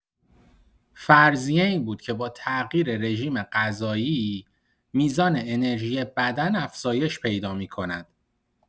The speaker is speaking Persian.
فرضیه این بود که با تغییر رژیم‌غذایی، میزان انرژی بدن افزایش پیدا می‌کند.